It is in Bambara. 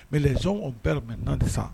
Maliz o bɛɛ mɛn naanidisa